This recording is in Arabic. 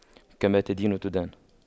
كما تدين تدان